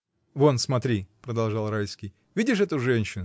Вон, смотри, — продолжал Райский, — видишь эту женщину?